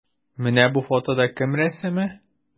Менә бу фотода кем рәсеме?